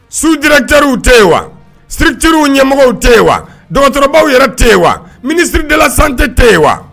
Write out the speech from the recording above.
Sudi teririw tɛ yen wa stiririw ɲɛmɔgɔw tɛ yen wa dama dɔgɔtɔrɔorow yɛrɛ tɛ yen wa minidala san tɛ tɛ yen wa